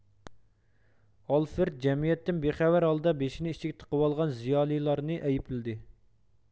ئالفرېد جەمئىيەتتىن بىخەۋەر ھالدا بېشىنى ئىچىگە تىقىۋالغان زىيالىيلارنى ئەيىپلىدى